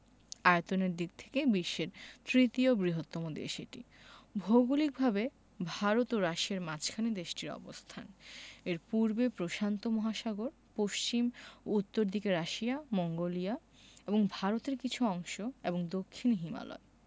আয়তনের দিক থেকে বিশ্বের তৃতীয় বৃহত্তম দেশ এটি ভৌগলিকভাবে ভারত ও রাশিয়ার মাঝখানে দেশটির অবস্থান এর পূর্বে প্রশান্ত মহাসাগর পশ্চিম ও উত্তর দিকে রাশিয়া মঙ্গোলিয়া এবং ভারতের কিছু অংশ এবং দক্ষিনে হিমালয়